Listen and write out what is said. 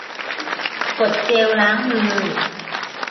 กดเจลล้างมือ